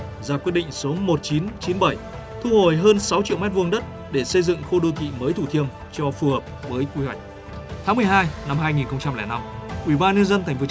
ra quyết định số một chín chín bảy thu hồi hơn sáu triệu mét vuông đất để xây dựng khu đô thị mới thủ thiêm cho phù hợp với quy hoạch tháng mười hai năm hai nghìn không trăm lẻ năm ủy ban nhân dân thành phố